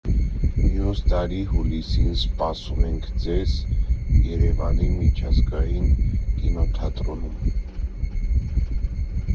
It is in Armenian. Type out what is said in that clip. Մյուս տարի հուլիսին սպասում ենք ձեզ Երևանի միջազգային կինոփառատոնին։